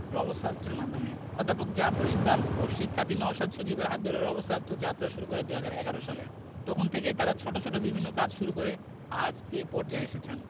রোবোসাস্টের মাধ্যমে অধ্যাপক জাফর ইকবাল ও শিক্ষার্থী নওশাদ সজীবের হাত ধরে রোবোসাস্ট যাত্রা শুরু করে ২০১১ সালে তখন থেকেই তারা ছোট ছোট বিভিন্ন কাজ শুরু করে আজ এ পর্যায়ে এসেছেন